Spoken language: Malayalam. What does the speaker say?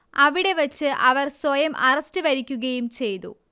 അവിടെ വച്ച് അവർ സ്വയം അറസ്റ്റ് വരിക്കുകയും ചെയ്തു